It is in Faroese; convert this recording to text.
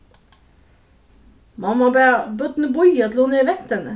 mamman bað børnini bíða til hon hevði vent henni